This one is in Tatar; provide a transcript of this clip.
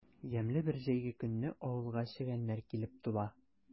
Ямьле бер җәйге көнне авылга чегәннәр килеп тула.